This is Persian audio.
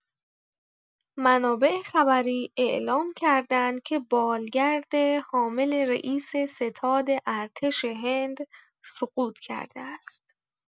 منابع خبری اعلام کردند که بالگرد حامل رئیس ستاد ارتش هند سقوط کرده است.